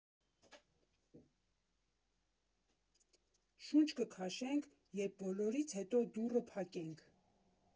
Շունչ կքաշենք, երբ բոլորից հետո դուռը փակենք։